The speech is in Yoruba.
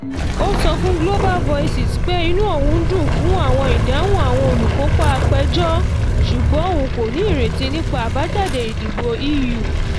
Ó sọ fún Global Voices pé inú òun dùn fún àwọn ìdáhùn àwọn olùkópa àpéjọ, ṣùgbọ́n òun kò ní ìrètí nípa àbájáde ìdìbò EU